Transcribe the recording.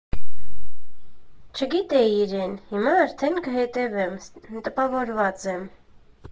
Չգիտեի իրեն, հիմա արդեն կհետևեմ, տպավորված եմ։